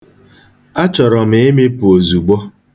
Achọrọ m ịmịpụ ozugbo.